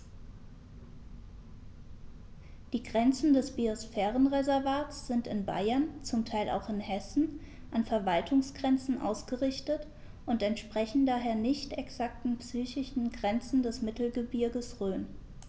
Die Grenzen des Biosphärenreservates sind in Bayern, zum Teil auch in Hessen, an Verwaltungsgrenzen ausgerichtet und entsprechen daher nicht exakten physischen Grenzen des Mittelgebirges Rhön.